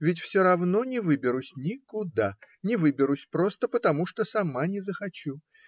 Ведь все равно не выберусь никуда, не выберусь просто потому, что сама не захочу.